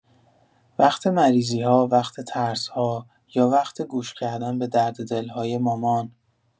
وقت مریضی‌ها، وقت ترس‌ها یا وقت گوش کردن به درددل‌های مامان.